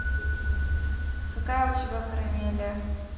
какая у тебя карамелия